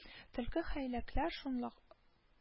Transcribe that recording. Төлке хәйләкләр, шунлак